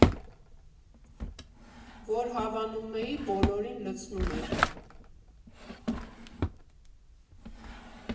Որ հավանում էի, բոլորին լցնում էր։